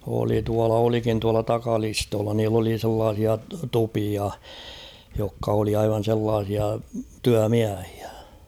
oli tuolla olikin tuolla takalistolla niillä oli sellaisia tupia jotka oli aivan sellaisia työmiehiä